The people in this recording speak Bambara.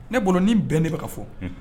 Ne bolo ni bɛn ne bɛ ka fɔ